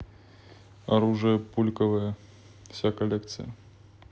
оружие пульковые вся коллекция